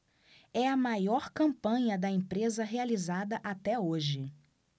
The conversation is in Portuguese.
é a maior campanha da empresa realizada até hoje